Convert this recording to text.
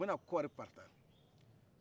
u bɛna kɔri parata